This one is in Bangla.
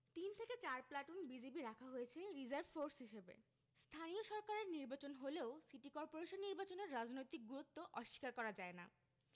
তিন থেকে চার প্লাটুন বিজিবি রাখা হয়েছে রিজার্ভ ফোর্স হিসেবে স্থানীয় সরকারের নির্বাচন হলেও সিটি করপোরেশন নির্বাচনের রাজনৈতিক গুরুত্ব অস্বীকার করা যায় না